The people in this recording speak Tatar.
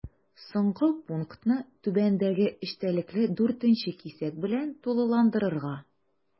Соңгы пунктны түбәндәге эчтәлекле 4 нче кисәк белән тулыландырырга.